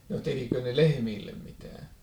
tekikö ne lehmille mitään